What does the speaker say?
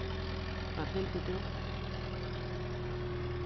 hvat vildi tú